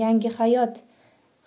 yangi hayot